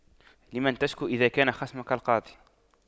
لمن تشكو إذا كان خصمك القاضي